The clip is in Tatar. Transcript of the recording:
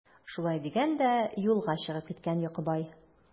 Шулай дигән дә юлга чыгып киткән Йокыбай.